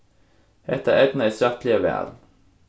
hetta eydnaðist rættiliga væl